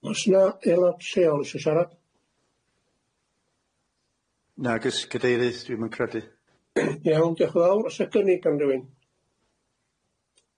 O's na aelod lleol isio siarad? Nag os cadeirydd dwi'm yn credu. Iawn diolch yn fawr. O's na gynnig gan rywun?